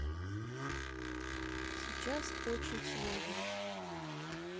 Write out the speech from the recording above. сейчас очень сложная